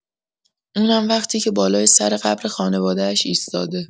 اونم وقتی که بالای سر قبر خانوادش ایستاده.